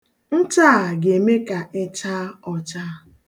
Ncha a ga-eme ka ị chaa ọcha.